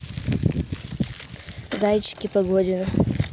зайчики погодину